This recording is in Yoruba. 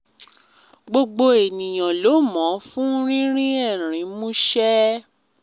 "Gbogbo èníyàn ló mọ́ fún rínrín ẹ̀rín múṣẹ́.